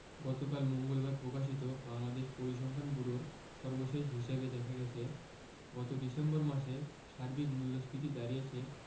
গতকাল মঙ্গলবার প্রকাশিত বাংলাদেশ পরিসংখ্যান ব্যুরোর সর্বশেষ হিসাবে দেখা গেছে গত ডিসেম্বর মাসে সার্বিক মূল্যস্ফীতি দাঁড়িয়েছে